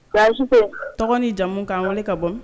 Baasi ko tɔgɔ jamumu' wale ka bɔ